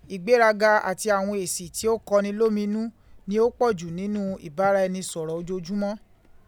Ìgbéraga àti àwọn èsì tí ó kọni lóminú ni ó pọ̀jù nínú ìbára ẹni sọ̀rọ̀ ojoojúmọ́